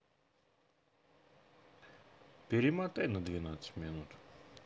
перемотай на двенадцать минут